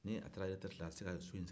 ni a taara eretereti la a tɛ se ka so in sara